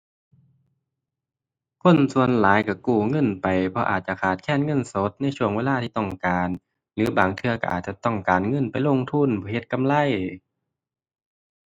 คนส่วนหลายก็กู้เงินไปเพราะอาจจะขาดแคลนเงินสดในช่วงเวลาที่ต้องการ หรือบางเทื่อก็อาจจะต้องการเงินไปลงทุน ไปเฮ็ดกำไร